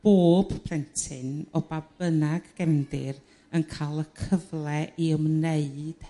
bob plentyn o ba bynnag gefndir yn ca'l y cyfle i ymwneud